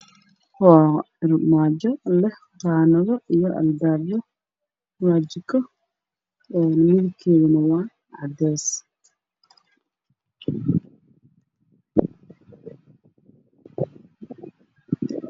Waa armaajo leh qaadanado iyo albaabyo waajiko midabkeedu waa caddees